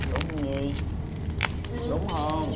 đúng không nhi đúng không